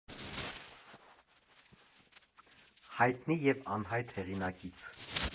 Հայտնի և անհայտ հեղինակից։